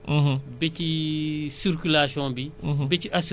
képp koo xam ne yaa ngi dawal da nga war a am papier yi war